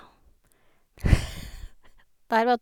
Der var t...